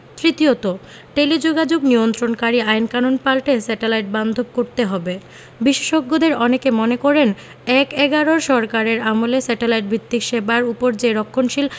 তৃতীয়ত টেলিযোগাযোগ নিয়ন্ত্রণকারী আইনকানুন পাল্টে স্যাটেলাইট বান্ধব করতে হবে বিশেষজ্ঞদের অনেকে মনে করেন এক–এগারোর সরকারের আমলে স্যাটেলাইট ভিত্তিক সেবার ওপর যে রক্ষণশীল